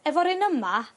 efo'r un yma